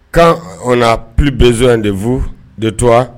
Kan o na pbz debu de to